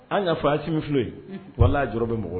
An y'a fɔ si filo yen wala'a jɔ bɛ mɔgɔ la